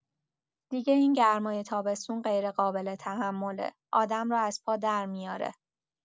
دیگه این گرمای تابستون غیرقابل‌تحمله، آدم رو از پا درمی‌اره.